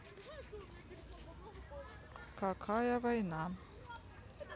какая война